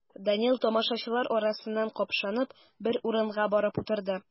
Данил, тамашачылар арасыннан капшанып, бер урынга барып утырды.